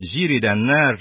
Җир идәнле,